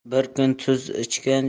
bir kun tuz ichgan